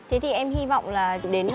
thế thì em hi vọng là đến